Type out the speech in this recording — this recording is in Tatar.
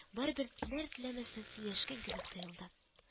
Барыбер теләр-теләмәссең сөйләшкән кебек тоелды